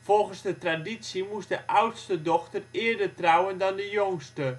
Volgens de traditie moest de oudste dochter eerder trouwen dan de jongste